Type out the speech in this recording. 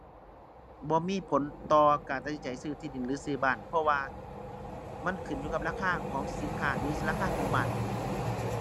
บ่มีผลต่อการตัดสินใจซื้อที่ดินหรือซื้อบ้าน เพราะว่ามันขึ้นอยู่กับราคาของสินค้าหรือราคาของบ้าน